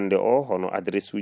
walla mbaɗoya hen 10K